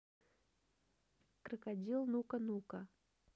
крокодил ну ка ну ка